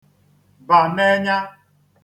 ba n'enya